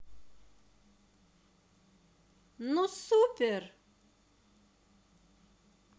ну супер